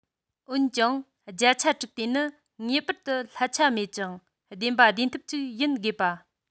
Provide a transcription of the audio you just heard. འོན ཀྱང བརྒྱ ཆ དྲུག དེ ནི ངེས པར དུ ལྷད ཆ མེད ཅིང བདེན པ བདེན ཐུབ ཅིག ཡིན དགོས པ